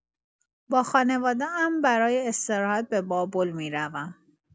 با خانواده‌ام برای استراحت به بابل می‌روم.